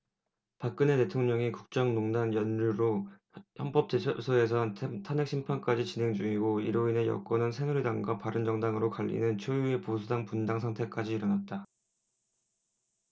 박근혜 대통령의 국정농단 연루로 헌법재판소에선 탄핵 심판이 진행 중이고 이로 인해 여권은 새누리당과 바른정당으로 갈리는 초유의 보수당 분당 사태까지 일어났다